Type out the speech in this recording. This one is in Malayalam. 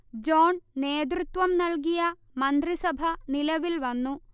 ജോൺ നേതൃത്വം നൽകിയ മന്ത്രിസഭ നിലവിൽ വന്നു